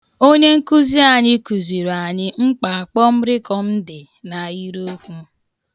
Onye nkụzi anyị kụziri anyị mkpa kpọm rịkọm dị n'ahịrịokwu.